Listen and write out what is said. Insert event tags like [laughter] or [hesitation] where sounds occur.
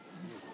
[hesitation] [hesitation]